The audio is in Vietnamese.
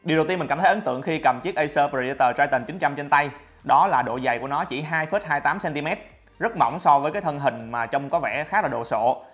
điều đầu tiên mình thấy ấn tượng khi cầm chiếc predator triton trên tay đó là độ dày của nó chỉ cm rất mỏng so với thân hình trông có vẻ khá là đô sộ